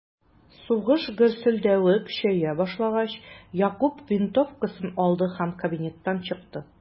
Сугыш гөрселдәве көчәя башлагач, Якуб винтовкасын алды һәм кабинеттан чыкты.